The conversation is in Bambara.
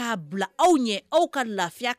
' bila aw aw ka lafiya